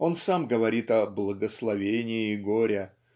он сам говорит о "благословении горя"